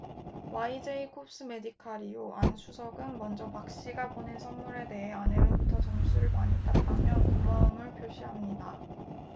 와이제이콥스메디칼이요 안 수석은 먼저 박 씨가 보낸 선물에 대해 아내로부터 점수를 많이 땄다며 고마움을 표시합니다